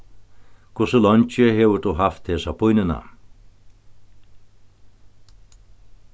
hvussu leingi hevur tú havt hesa pínuna